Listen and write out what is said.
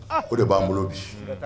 O de b'an bolo bi.